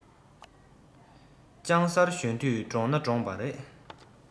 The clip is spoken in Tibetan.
ལྕང གསར གཞོན དུས འདྲོངས ན འདྲོངས པ རེད